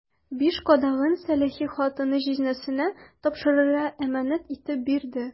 Биш кадагын сәләхи хатыны җизнәсенә тапшырырга әманәт итеп бирде.